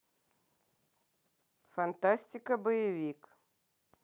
фантастика боевик